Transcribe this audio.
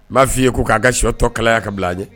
M'a f'i ye ko k'a ka sɔ tɔ kalaya ka bila a ɲɛ!